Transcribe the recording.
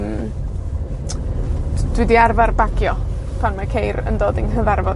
Hmm. D- dwi 'di arfar bagio, pan ma' ceir yn dod i'n nghyfarfod